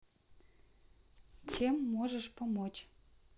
чем можешь помочь